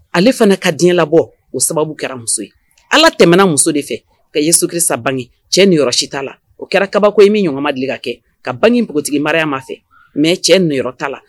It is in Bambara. Ale fana ka diɲɛ labɔ, o sababu kɛra muso ye Ala tɛmɛ na muso de fɛ ka Yasukirisa bange cɛ niyɔrɔ si ta la, o kɛra kabako ye min ɲɔgɔn ma deli ka kɛ, ka bange npogotigi Mariyama fɛ mais cɛyɔrɔ ta la